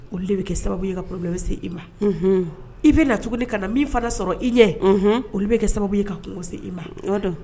Olu de bɛ kɛ sababu ye ka bɛ se i ma i bɛ na cogo ka na min fana sɔrɔ i ɲɛ olu bɛ kɛ sababu ye ka kungo se i ma